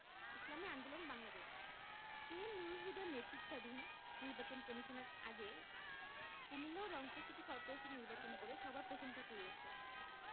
ও Islami Andolan Bangladesh K M Nurul হুদার নেতৃত্বাধীন নির্বাচন কমিশন এর আগে কুমিল্লা ও রংপুর সিটি করপোরেশন নির্বাচন করে সবার প্রশংসা কুড়িয়েছে